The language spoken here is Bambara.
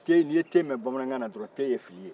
ni ye te mɛn bamanankanna dɔrɔn te ye fili